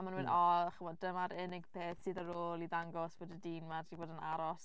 A maen nhw'n mynd "o chimod dyma'r unig peth sydd ar ôl i ddangos bod y dyn 'ma 'di bod yn aros".